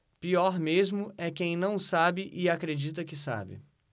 pior mesmo é quem não sabe e acredita que sabe